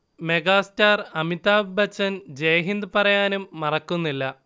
megastar Amitabh Bachchan Jaihind പറയാനും മറക്കുന്നില്ല